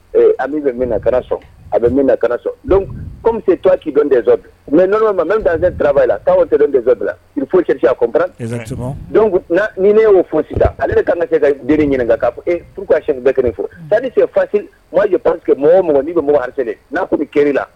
A min bɛ min na kara sɔn a bɛ min na karata sɔn don kɔmi bɛ se to' dɔn dɛsɛ mɛ nɔnɔ ma mɛ bɛn duraba la' tɛ dɔn dɛsɛsa la i foyiti ni ne y'o fɔ sisan ale de ka se ka den ɲininka kan k'a fɔ eee e p ka a sen bɛɛ kelen fɔ tase pasi b'a ye pa que mɔgɔ mɔgɔɔgɔn ni bɛ mɔgɔse n'a fɔ kɛ la